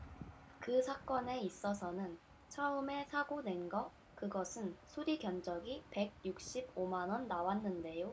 그 사건에 있어서는 처음에 사고 낸 거 그것은 수리 견적이 백 육십 오 만 원 나왔는데요